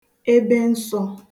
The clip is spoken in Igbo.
ebensọ̀